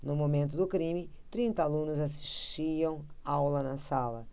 no momento do crime trinta alunos assistiam aula na sala